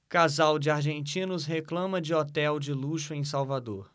casal de argentinos reclama de hotel de luxo em salvador